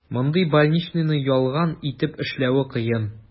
Мондый больничныйны ялган итеп эшләү кыен.